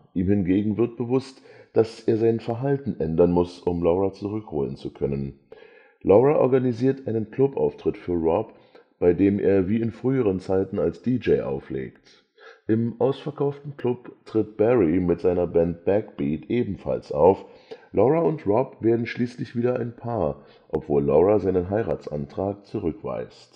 ihm hingegen wird bewusst, dass er sein Verhalten ändern muss, um Laura zurückholen zu können. Laura organisiert einen Clubauftritt für Rob, bei dem er wie in früheren Zeiten als DJ auflegt. Im ausverkauften Club tritt Barry mit seiner Band Backbeat ebenfalls auf. Laura und Rob werden schließlich wieder ein Paar, obwohl Laura seinen Heiratsantrag zurückweist